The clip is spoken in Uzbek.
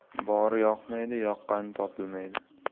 bori yoqmaydi yoqqani topilmaydi